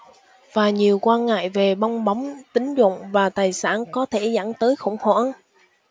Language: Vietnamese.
và nhiều quan ngại về bong bóng tín dụng và tài sản có thể dẫn tới khủng hoảng